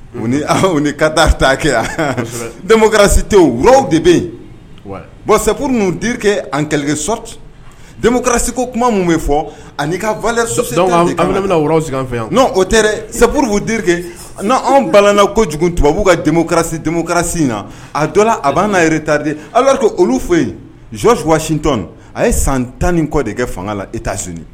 U ka taa ta kɛsi tɛ worow de bɛ yen bɔn sapururike an ka sɔsi ko kuma min bɛ fɔ ani ka v sɔ s fɛ yan o tɛ saurubuke n' anw bala ko kojugu tubabu'u kasi in na a dɔ a' n'a yɛrɛretadi ala to olu fɔ yenoswasit a ye san tan ni kɔ de kɛ fanga la i t' sini